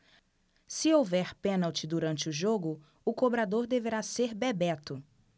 se houver pênalti durante o jogo o cobrador deverá ser bebeto